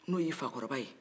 n'o y'i fakɔrɔba ye